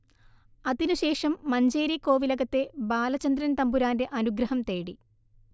അതിനുശേഷം മഞ്ചേരി കോവിലകത്തെ ബാലചന്ദ്രൻ തന്പുരാൻറെ അനുഗ്രഹം തേടി